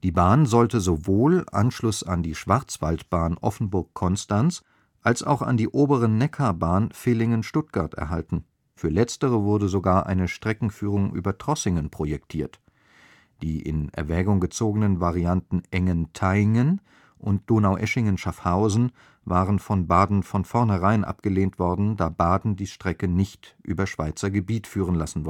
Bahn sollte sowohl Anschluss an die Schwarzwaldbahn Offenburg – Konstanz als auch an die obere Neckarbahn Villingen – Stuttgart erhalten. Für letztere wurde sogar eine Streckenführung über Trossingen projektiert. Die in Erwägung gezogenen Varianten Engen – Thayngen und Donaueschingen – Schaffhausen waren von Baden von vornherein abgelehnt worden, da Baden die Strecke nicht über Schweizer Gebiet führen lassen